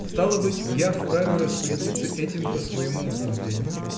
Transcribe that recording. Стало быть, я вправе распорядиться этим по своему усмотрению?